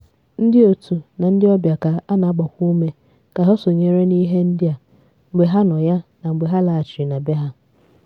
Ndị òtù na ndị ọbịa ka a na-agbakwa ume ka ha sonyere n'ihe ndị a, mgbe ha nọ ya na mgbe ha laghachiri na be ha.